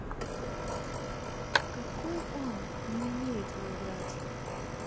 какой он не умеет мой брат